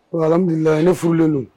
Alhamdulilahi ne furulen don.